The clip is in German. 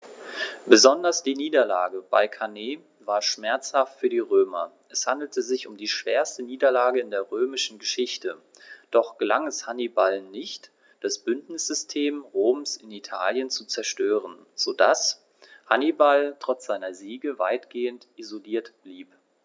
Besonders die Niederlage bei Cannae war schmerzhaft für die Römer: Es handelte sich um die schwerste Niederlage in der römischen Geschichte, doch gelang es Hannibal nicht, das Bündnissystem Roms in Italien zu zerstören, sodass Hannibal trotz seiner Siege weitgehend isoliert blieb.